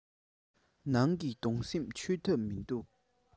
ནང གི དུང སེམས ཆོད ཐབས མིན འདུག